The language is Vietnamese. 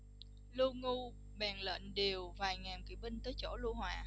lưu ngu bèn lệnh điều vài ngàn kị binh tới chỗ lưu hòa